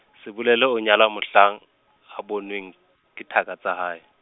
Sebolelo o nyalwa mohla, a bonweng, ke thaka tsa hae.